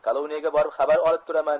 koloniyaga borib xabar olib turaman